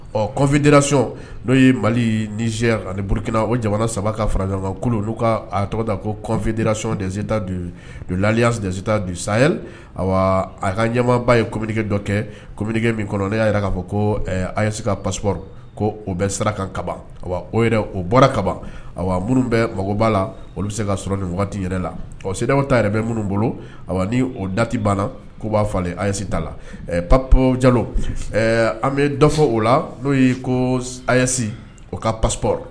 Ɔfirac n'o ye maliya ani burukina o jamana saba ka fara ɲɔgɔnkakulu n'u ka tɔgɔ kofidirason deseta layaseta sa a ka ɲɛba ye comge dɔ kɛ komgekɛ min kɔnɔ ne y'a jira k'a fɔ ko ase ka pap ko o bɛ saraka ka kaban o yɛrɛ o bɔra kaban a minnu bɛ magoba la olu bɛ se ka sɔrɔ nin waati yɛrɛ la ɔ se ta yɛrɛ bɛ minnu bolo o dati banna ko b'a falen ase t' la pap jalo an bɛ dɔ fɔ o la n'o'i ko ase o ka pap